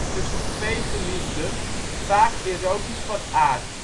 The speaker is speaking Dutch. tussen twee geliefden, vaak erotisch van aard